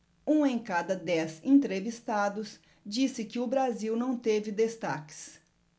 um em cada dez entrevistados disse que o brasil não teve destaques